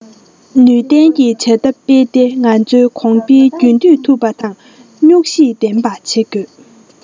ནུས ལྡན གྱི བྱ ཐབས སྤེལ ཏེ ང ཚོའི གོང འཕེལ རྒྱུན མཐུད ཐུབ པ དང སྙུགས ཤེད ལྡན བ བྱེད དགོས